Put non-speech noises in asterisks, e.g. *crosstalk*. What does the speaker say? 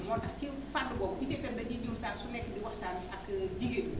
moo tax ci fànn boobu ci seen UGPM da ciy jóg saa su ne di waxtaan ak *hesitation* jigéen ñi